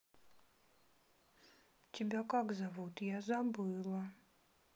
тебя как зовут я забыла